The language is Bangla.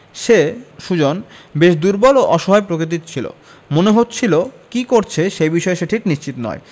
সে সুজন বেশ দুর্বল ও অসহায় প্রকৃতির ছিল মনে হচ্ছিল কী করছে সেই বিষয়ে সে ঠিক নিশ্চিত নয়